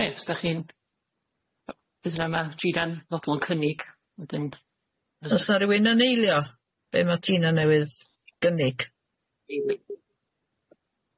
Reit os dach chi'n fydd na ma' Gina'n fodlon cynnig wedyn 's na rywun yn eilio be' ma' Gina newydd gynnig i mi?